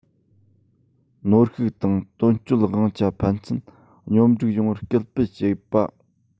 ནོར ཤུགས དང དོན གཅོད དབང ཆ ཕན ཚུན སྙོམ སྒྲིག ཡོང བར སྐུལ སྤེལ བྱེད པ